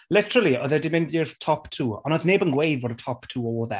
Literally oedd e 'di mynd i'r top two, ond oedd neb yn gweud bod y top two oedd e.